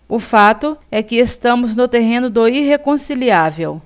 o fato é que estamos no terreno do irreconciliável